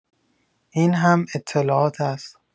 این هم اطلاعات است.